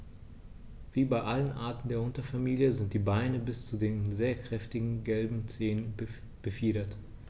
Wie bei allen Arten der Unterfamilie sind die Beine bis zu den sehr kräftigen gelben Zehen befiedert.